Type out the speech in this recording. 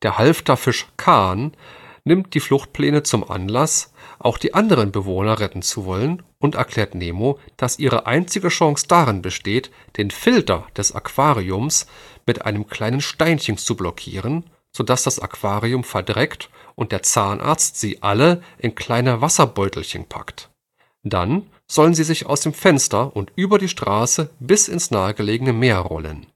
Halfterfisch Khan nimmt die Fluchtpläne zum Anlass, auch die anderen Bewohner retten zu wollen und erklärt Nemo, dass ihre einzige Chance darin bestehe, den Filter des Aquariums mit einem kleinen Steinchen zu blockieren, so dass das Aquarium verdreckt und der Zahnarzt sie alle in kleine Wasserbeutelchen packt. Dann sollen sie sich aus dem Fenster und über die Straße bis ins nahegelegene Meer rollen